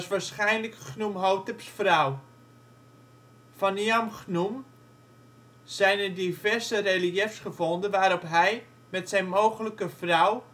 waarschijnlijk Chnumhoteps vrouw. Van Nianchchnum zijn er diverse reliëfs gevonden waarop hij met zijn mogelijke vrouw